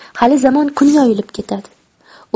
hali zamon kun yoyilib ketadi